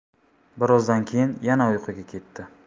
bir ozdan keyin yana uyquga ketdi